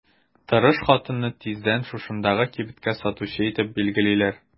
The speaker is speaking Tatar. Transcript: Тырыш хатынны тиздән шушындагы кибеткә сатучы итеп билгелиләр.